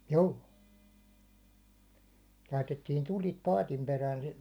- laitettiin tulet paatin perään sitten